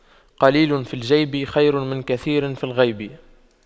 قليل في الجيب خير من كثير في الغيب